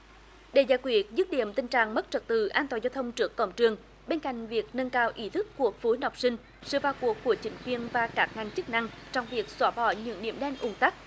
để giải quyết dứt điểm tình trạng mất trật tự an toàn giao thông trước cổng trường bên cạnh việc nâng cao ý thức của phụ huynh học sinh sự vào cuộc của chính quyền và các ngành chức năng trong việc xóa bỏ những điểm đen ùn tắc